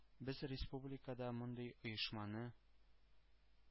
Без республикада мондый оешманы